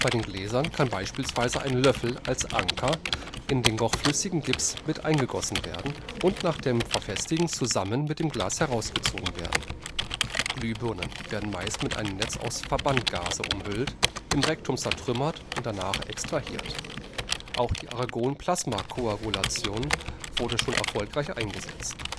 den Gläsern kann beispielsweise ein Löffel als „ Anker “in den noch flüssigen Gips mit eingegossen werden und nach dem Verfestigen zusammen mit dem Glas herausgezogen werden. Glühbirnen werden meist mit einem Netz aus Verbandgaze umhüllt, im Rektum zertrümmert und danach extrahiert. Auch die Argon-Plasma-Koagulation wurde schon erfolgreich eingesetzt